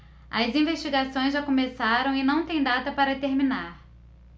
as investigações já começaram e não têm data para terminar